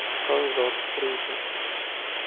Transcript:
sichqon zoti quriydi